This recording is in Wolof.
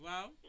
waaw